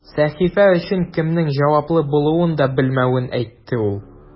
Сәхифә өчен кемнең җаваплы булуын да белмәвен әйтте ул.